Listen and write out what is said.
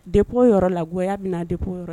De bo yɔrɔ lakɔya bɛna de bo yɔrɔ